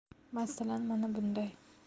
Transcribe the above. masalan mana bunday